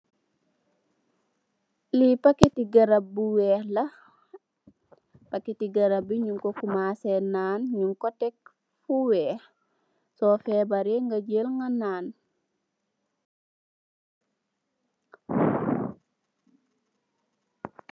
Li pakèt garab bu weeh la, pakèti garab bi nung ko ku masè nan nung ko tekk fu weeh so fèbarè nga jël nga nan.